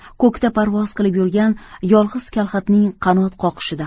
ko'kda parvoz qilib yurgan yolg'iz kalxatning qanot qoqishida